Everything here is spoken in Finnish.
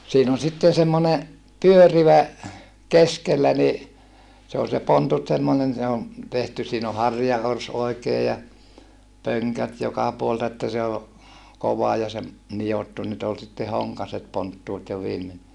siinä on sitten semmoinen pyörivä keskellä niin se oli se pontut semmoinen se on tehty siinä on harjaorsi oikein ja pönkät joka puolelta että se on kova ja se nidottu nyt oli sitten honkaiset ponttuut jo viimein